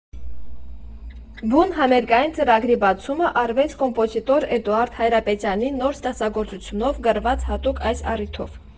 Բուն համերգային ծրագրի բացումը արվեց կոմպոզիտոր Էդուարդ Հայրապետյանի նոր ստեղծագործությունով՝ գրված հատուկ այս առիթով։